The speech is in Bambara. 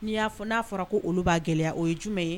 Ni y'a fɔ n'a fɔra ko olu'a gɛlɛya o ye jumɛn ye